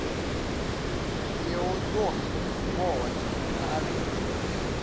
теодор сволочь на английском